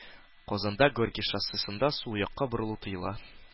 Казанда Горький шоссесында сул якка борылу тыела.